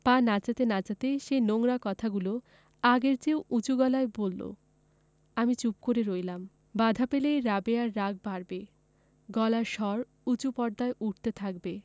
পা নাচাতে নাচাতে সেই নোংরা কথাগুলি আগের চেয়েও উচু গলায় বললো আমি চুপ করে রইলাম বাধা পেলেই রাবেয়ার রাগ বাড়বে গলার স্বর উচু পর্দায় উঠতে থাকবে